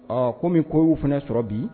Ko min ko y'u fana sɔrɔ bi